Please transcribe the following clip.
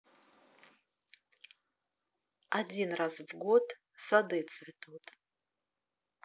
один раз в год сады цветут